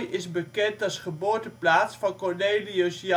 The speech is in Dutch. is bekend als geboorteplaats van Cornelius Jansenius